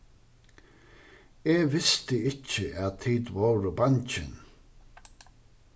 eg visti ikki at tit vóru bangin